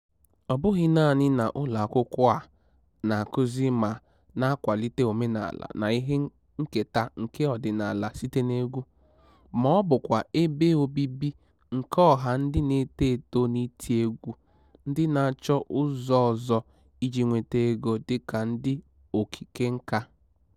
Ọ bụghị naanị na ụlọakwụkwọ a na-akụzi ma na-akwalite omenaala na ihe nketa nke ọdịnala site n'egwu, ma ọ bụkwa ebe obibi nke ọha ndị na-eto eto n'iti egwu ndị na-achọ ụzọ ọzọ iji nweta ego dị ka ndị okike nkà.